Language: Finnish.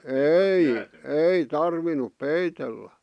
ei ei tarvinnut peitellä